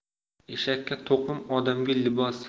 eshakka to'qim odamga libos